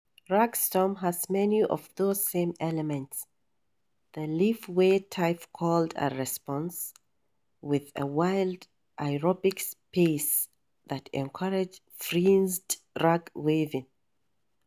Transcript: Rag Storm has many of those same elements — the lavway-type call-and-response, with a wild aerobic pace that encourages frenzied rag-waving.